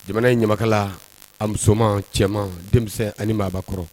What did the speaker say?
Jamana in ɲamakala a musomanma cɛman denmisɛn anibaa kɔrɔ